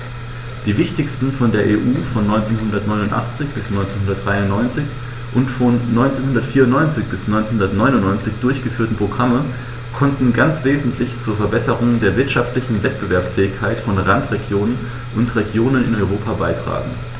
Die wichtigsten von der EU von 1989 bis 1993 und von 1994 bis 1999 durchgeführten Programme konnten ganz wesentlich zur Verbesserung der wirtschaftlichen Wettbewerbsfähigkeit von Randregionen und Regionen in Europa beitragen.